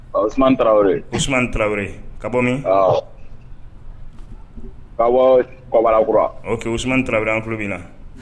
Ɔ suman taraweleman tarawele ka bɔ minwakura sumaman tarawele an tulo min na